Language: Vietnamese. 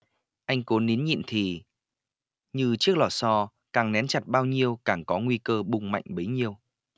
anh cố nín nhịn thì như chiếc lò xo càng nén chặt bao nhiêu càng có nguy cơ bung mạnh bấy nhiêu